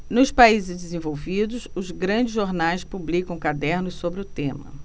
nos países desenvolvidos os grandes jornais publicam cadernos sobre o tema